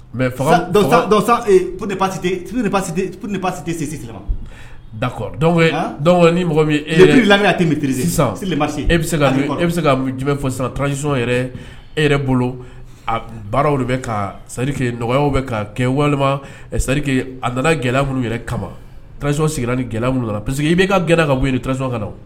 Mɛsi dakɔ ni mɔgɔ min e la tɛtiri sisan e e bɛ se fɔ sisanransi yɛrɛ e yɛrɛ bolo baaraw bɛ ka sarike nɔgɔya bɛ ka kɛ walimari a nana gɛlɛya minnu yɛrɛ kamasi sigira ni gɛlɛya nana parce que i bɛ ka gɛlɛ kasiɔn ka na